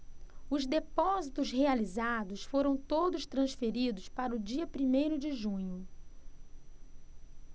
os depósitos realizados foram todos transferidos para o dia primeiro de junho